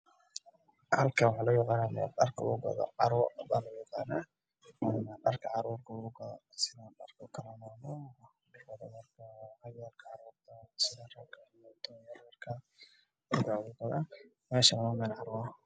Beeshan waxa kala laado dharka carruurta na waa meel tukaan ah waxaa loo yaqaanaa carwo